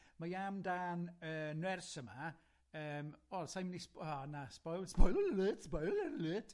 mae am dan yy nyrs yma, yym, o sai'n mynd i sb- o na, sboil spoiler alert spoiler alert